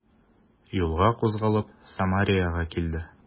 Юлга кузгалып, Самареяга килде.